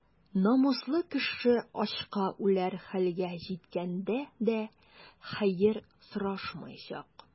Намуслы кеше ачка үләр хәлгә җиткәндә дә хәер сорашмаячак.